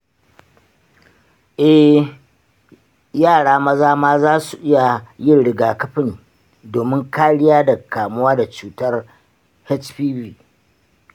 eh, yara maza ma za su iya yin rigakafin, domin kariya daga kamuwa da cutar hpv.